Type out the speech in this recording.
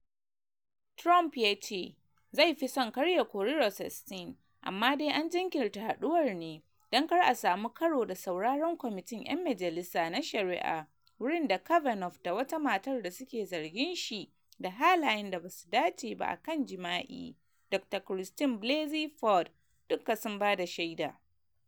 Trump ya ce zai “fi son kar” ya kori Rosenstein amma dai an jinkirta haduwar ne dan kar a samu karo da sauraron kwamitin ‘yan majalisa na Shari’a wurin da Kavanaugh da wata matar da suke zargin shi da halayen da ba su dace ba akan jima’i, Dr Christine Blasey Ford, dukka sun bada shaida.